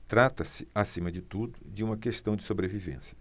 trata-se acima de tudo de uma questão de sobrevivência